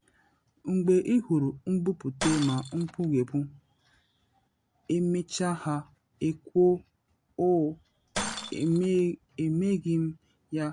“Mgbe ị hụrụ mbupute na mkpughepu emechaa ha ekwuo “oh, emeghị m ya.